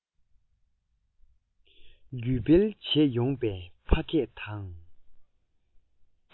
བརྒྱུད སྤེལ བྱས ཡོང པའི ཕ སྐད དང